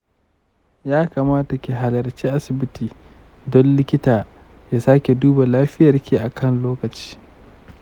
ya kamata ki halarci asibiti don likita ya sake duba lafiyarki akan lokaci.